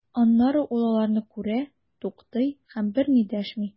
Аннары ул аларны күрә, туктый һәм берни дәшми.